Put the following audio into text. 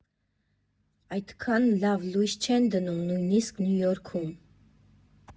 Այդքան լավ լույս չեն դնում նույնիսկ Նյու Յորքում»։